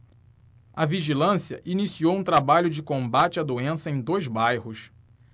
a vigilância iniciou um trabalho de combate à doença em dois bairros